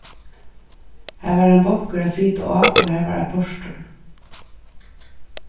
har var ein bonkur at sita á og har var eitt portur